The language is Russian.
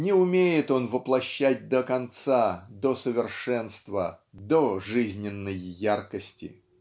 не умеет он воплощать до конца до совершенства до жизненной яркости.